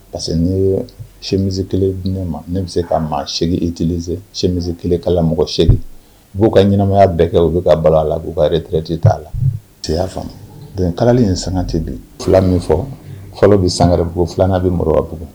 Parce que n'i ye sɛmisɛn kelen dun ma ne bɛ se k kaa maa si etse sɛmisɛn kelen' mɔgɔ sɛgin b'o ka ɲɛnamaya bɛɛ kɛ u bɛ ka bala la b' kare terikɛre de t' la cɛ y'a kalalen ye sangate fila min fɔ fɔlɔ bɛ sangaɛrɛbugu fulaka bɛ mɔgɔ kabugu